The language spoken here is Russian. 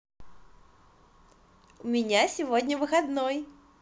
у меня сегодня выходной